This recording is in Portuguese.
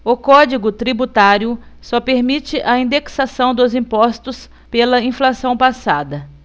o código tributário só permite a indexação dos impostos pela inflação passada